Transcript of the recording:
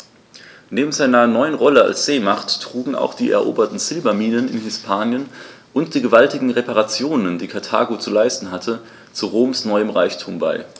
Neben seiner neuen Rolle als Seemacht trugen auch die eroberten Silberminen in Hispanien und die gewaltigen Reparationen, die Karthago zu leisten hatte, zu Roms neuem Reichtum bei.